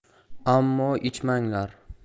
ammo ichmanglar